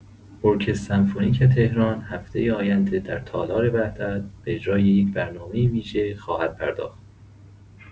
ارکستر سمفونیک تهران هفته آینده در تالار وحدت به اجرای یک برنامه ویژه خواهد پرداخت.